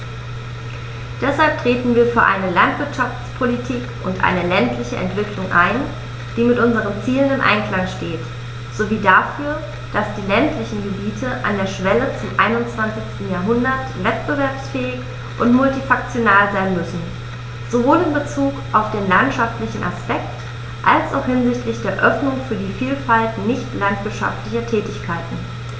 Deshalb treten wir für eine Landwirtschaftspolitik und eine ländliche Entwicklung ein, die mit unseren Zielen im Einklang steht, sowie dafür, dass die ländlichen Gebiete an der Schwelle zum 21. Jahrhundert wettbewerbsfähig und multifunktional sein müssen, sowohl in Bezug auf den landwirtschaftlichen Aspekt als auch hinsichtlich der Öffnung für die Vielfalt nicht landwirtschaftlicher Tätigkeiten.